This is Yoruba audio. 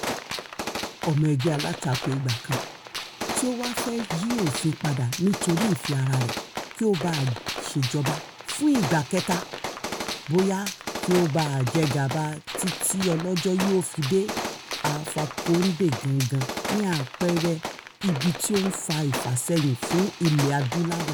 Ọmọ ẹgbẹ́ alátakò ìgbàkan, tí ó wá fẹ́ yí òfin padà nítorí ìfẹ́ ara rẹ̀ kí ó ba ṣèjòba fún ìgbà kẹta, bóyá kí ó bá jẹ gàba títí tí Ọlọ́jọ́ yóò fi dé, Alpha Condé gan-an ni àpẹẹrẹ ibi tí ó ń fa ìfàsẹ́yìn fún Ilẹ̀-Adúláwọ̀ !